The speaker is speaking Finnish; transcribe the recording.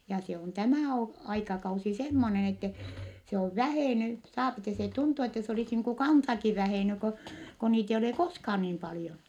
ja se on tämä - aikakausi semmoinen että se on vähennyt saa että se tuntui että se olisi niin kuin kansakin vähennyt kun kun niitä ei ole koskaan niin paljon